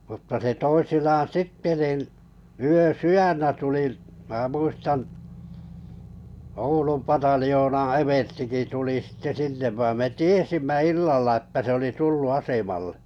mutta se toisinaan sitten niin yösydännä tuli minä muistan Oulun pataljoonan everstikin tuli sitten sinne vaan me tiesimme illalla että se oli tullut asemalle